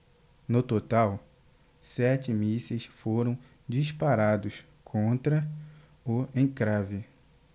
no total sete mísseis foram disparados contra o encrave